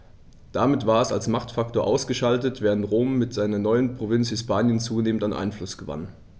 Damit war es als Machtfaktor ausgeschaltet, während Rom mit seiner neuen Provinz Hispanien zunehmend an Einfluss gewann.